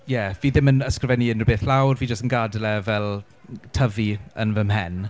Ie fi ddim yn ysgrifennu unrhyw beth lawr. Fi jyst yn gadael e fel tyfu yn fy mhen.